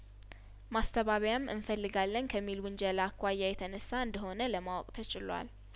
ማስተባበያም እንፈልጋለን ከሚል ውንጀላ አኳያ የተነሳ እንደሆነ ለማወቅ ተችሏል